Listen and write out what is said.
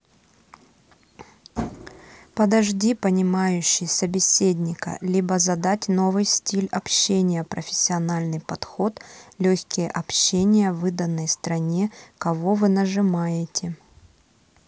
подожди понимающий собеседника либо задать новый стиль общения профессиональный подход легкие общения выданной стране кого вы нажимаете